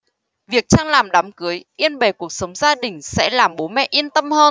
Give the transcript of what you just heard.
việc trang làm đám cưới yên bề cuộc sống gia đình sẽ làm bố mẹ yên tâm hơn